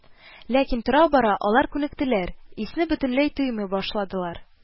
Ләкин тора-бара алар күнектеләр, исне бөтенләй тоймый башладылар